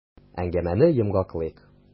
Әңгәмәне йомгаклыйк.